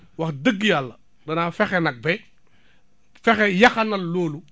wax dëgg yàlla danaa fexe nag ba fexe yaxanal loolu